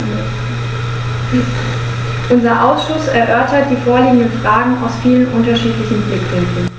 Unser Ausschuss erörtert die vorliegenden Fragen aus vielen unterschiedlichen Blickwinkeln.